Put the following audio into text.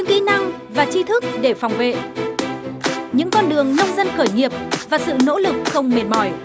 kỹ năng và tri thức để phòng vệ những con đường nông dân khởi nghiệp và sự nỗ lực không mệt mỏi